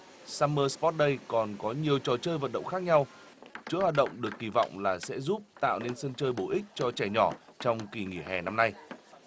săm mơ sờ pót đây còn có nhiều trò chơi vận động khác nhau chuỗi hoạt động được kỳ vọng là sẽ giúp tạo nên sân chơi bổ ích cho trẻ nhỏ trong kỳ nghỉ hè năm nay